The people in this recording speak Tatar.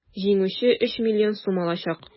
Җиңүче 3 млн сум алачак.